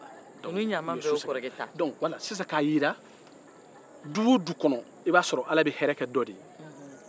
dɔnku sisan k'a jira du o du kɔnɔ ala bɛ hɛɛrɛ ke dɔ de ye